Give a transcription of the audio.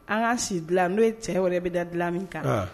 An ka si dilan n'o ye cɛ wɛrɛ bɛ da dilan min kan